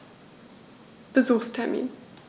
Besuchstermin